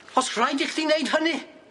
O's rhaid i chdi neud hynny?